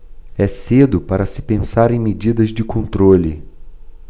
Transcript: é cedo para se pensar em medidas de controle